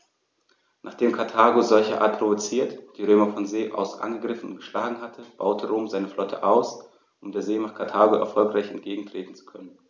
Nachdem Karthago, solcherart provoziert, die Römer von See aus angegriffen und geschlagen hatte, baute Rom seine Flotte aus, um der Seemacht Karthago erfolgreich entgegentreten zu können.